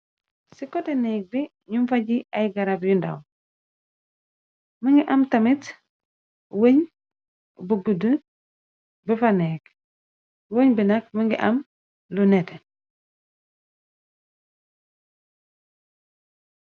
Ci kote neeg bi ñum faji ay garab yu ndaw më ngi am tamit wëñ bu gudd bëfa neeg wëñ bi nag më ngi am lu nete.